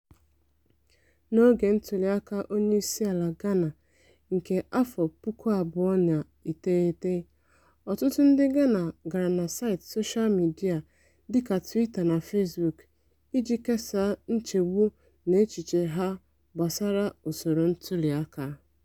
N'oge ntuliaka Onyeisiala Ghana nke 2008, ọtụtụ ndị Ghana gara na saịtị soshal midịa dịka Twitter na Facebook iji kesaa nchegbu na echiche ha gbasara usoro ntuliaka.